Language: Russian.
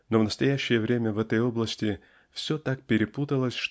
Но в настоящее время в этой области все так перепуталось